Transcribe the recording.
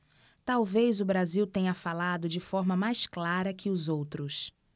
talvez o brasil tenha falado de forma mais clara que os outros